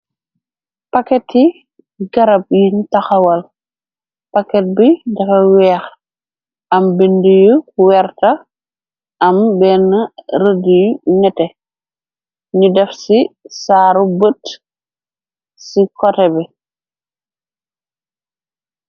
Paketi garab yun taxawal paket bi dafa weex am binda yu werta am bena reda yu netex ete ñu daf ci saaru bot ci kote bi.